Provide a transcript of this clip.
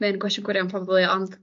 mae'n gwestiwn gwirion probably ond...